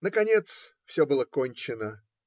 Наконец все было кончено